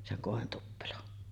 sen kointuppelon